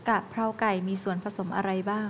กะเพราไก่มีส่วนผสมอะไรบ้าง